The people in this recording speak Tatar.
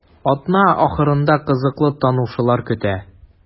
Атна ахырында кызыклы танышулар көтә.